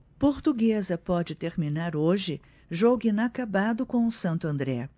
portuguesa pode terminar hoje jogo inacabado com o santo andré